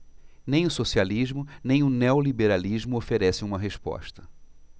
nem o socialismo nem o neoliberalismo oferecem uma resposta